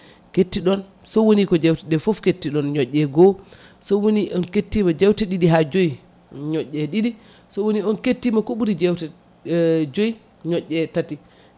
kettiɗon sowoni ko jewteɗe foof kettiɗon ñoƴƴe goho sowoni o kettima jewte ɗiɗi ha joyyi ñoƴƴe ɗiɗi sowoni on kettima ko ɓuuri jewte joyyi ñoƴƴe tati